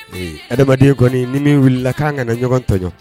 Adamadamaden kɔnii ni m bɛ wulila k'an kana ɲɔgɔn tɔj